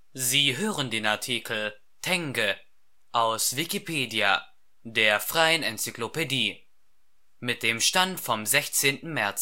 Sie hören den Artikel Tenge, aus Wikipedia, der freien Enzyklopädie. Mit dem Stand vom Der